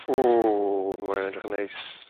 O mae'n edrych yn neis.